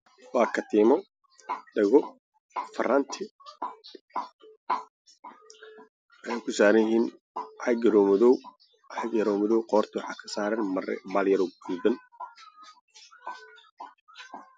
Meeshaan waxay labo bal madow waxaa ku jira ka timid midabkiis yahay dahabi waana dhegada qoorta la gashto